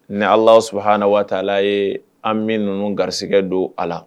Nin ala su hana waatala ye an bɛ ninnu garisɛgɛ don a la